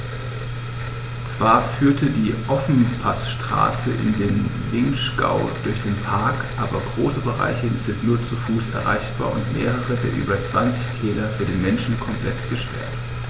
Zwar führt die Ofenpassstraße in den Vinschgau durch den Park, aber große Bereiche sind nur zu Fuß erreichbar und mehrere der über 20 Täler für den Menschen komplett gesperrt.